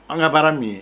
An ka baara min ye